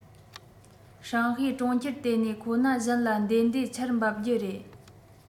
ཧྲང ཧའེ གྲོང ཁྱེར ལྟེ གནས ཁོ ན གཞན ལ འདེད འདེད ཆར འབབ རྒྱུ རེད